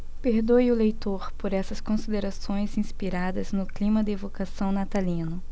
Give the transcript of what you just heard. perdoe o leitor por essas considerações inspiradas no clima de evocação natalino